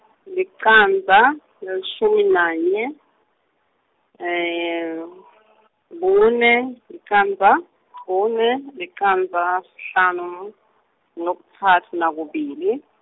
licandza nelishumi nanye kune licandza kune licandza sihlanu nakutsatfu nakubili.